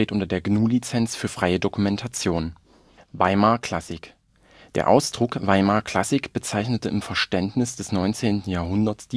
unter der GNU Lizenz für freie Dokumentation. Theobald von Oer: Der Weimarer Musenhof Der Ausdruck Weimarer Klassik bezeichnete im Verständnis des 19. Jahrhunderts